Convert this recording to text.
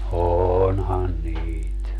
onhan niitä